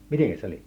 miten se oli